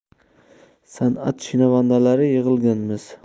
san'at shinavandalari yig'ilganmiz